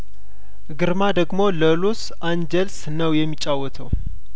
ግርማ ደግሞ ለሎስ አንጀ ልስ ነው የሚጫወተው